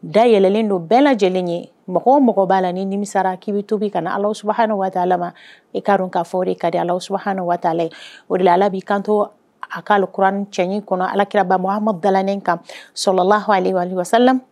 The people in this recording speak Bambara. Da yɛlɛlen don bɛɛ lajɛlenlen ye mɔgɔ o mɔgɔ b'a la ni nimisa k'i bɛ tubi ka alas ha ni waala ma i k kaa don ka fɔ de ka di alas haana waala o de la ala b'i kanto a k ka kuranc kɔnɔ alakira ba hama dalanen kan solahaa